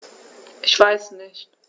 Ich weiß nicht.